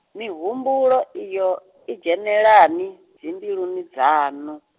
mihumbulo iyo, i dzhenelani, dzimbiluni dzaṋu.